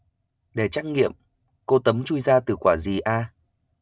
đề trắc nghiệm cô tấm chui ra từ quả gì a